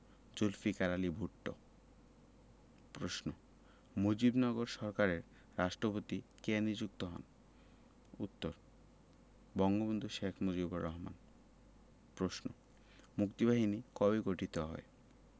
জুলফিকার আলী ভুট্ট প্রশ্ন মুজিবনগর সরকারের রাষ্ট্রপতি কে নিযুক্ত হন উত্তর বঙ্গবন্ধু শেখ মুজিবুর রহমান প্রশ্ন মুক্তিবাহিনী কবে গঠিত হয়